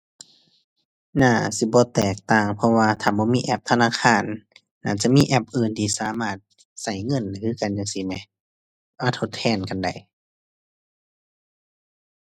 น่าสิบ่แตกต่างเพราะว่าถ้าบ่มีแอปธนาคาร น่าจะมีแอปอื่นที่สามารถใช้เงินได้คือกันจั่งซี้แหม มาทดแทนกันได้